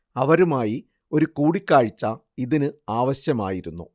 അവരുമായി ഒരു കൂടിക്കാഴ്ച ഇതിന് ആവശ്യമായിരുന്നു